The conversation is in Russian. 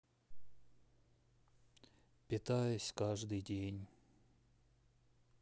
питаюсь каждый день